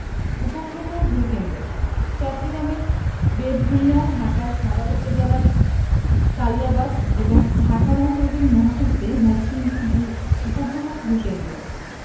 উপগ্রহ ভূ কেন্দ্রঃ চট্টগ্রামের বেতবুনিয়া ঢাকার সাভার উপজেলায় তালিবাবাদ এবং ঢাকা মহানগরীর মহাখালীতে মোট তিনটি ভূ উপগ্রহ ভূ কেন্দ্র